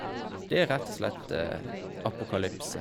Det er rett og slett apokalypse.